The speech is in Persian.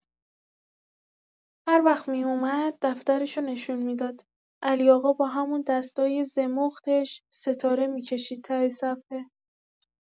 هر وقت می‌اومد دفترشو نشون می‌داد، علی‌آقا با همون دستای زمختش ستاره می‌کشید ته صفحه.